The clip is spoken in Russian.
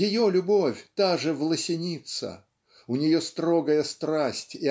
Ее любовь - та же власяница. У нее строгая страсть